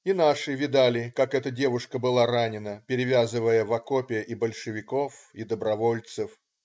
И наши видали, как эта девушка была ранена, перевязывая в окопе и большевиков и добровольцев.